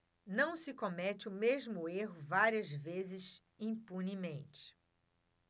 não se comete o mesmo erro várias vezes impunemente